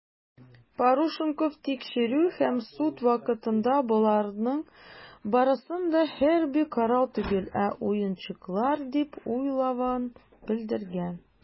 Парушенков тикшерү һәм суд вакытында, боларның барысын да хәрби корал түгел, ә уенчыклар дип уйлавын белдергән.